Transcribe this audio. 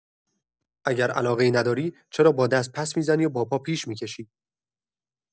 اگر علاقه‌ای نداری، چرا با دست پس می‌زنی و با پا پیش می‌کشی؟